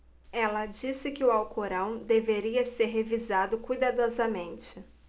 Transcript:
ela disse que o alcorão deveria ser revisado cuidadosamente